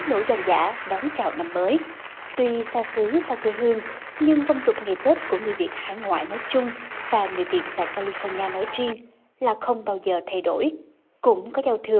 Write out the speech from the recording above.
nổ giòn giã đón chào năm mới tuy xa xứ xa quê hương nhưng phong tục ngày tết của người việt hải ngoại nói chung và người việt tại ca li phóc li a nói riêng là không bao giờ thay đổi cũng có giao thừa